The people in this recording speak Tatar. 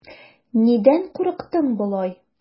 Нидән курыктың болай?